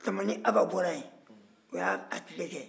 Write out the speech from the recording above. tamani aba bɔra yen o y'a tile kɛ